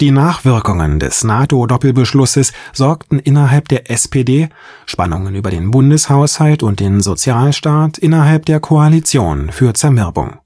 Nachwirkungen des NATO-Doppelbeschlusses sorgten innerhalb der SPD, Spannungen über den Bundeshaushalt und den Sozialstaat innerhalb der Koalition für Zermürbung